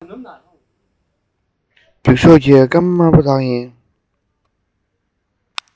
རྒྱུགས ཤོག ཐོག གི སྐར མ དམར པོ དག ཡིན